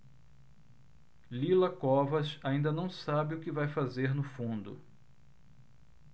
lila covas ainda não sabe o que vai fazer no fundo